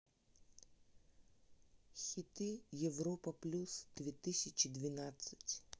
хиты европа плюс две тысячи девятнадцать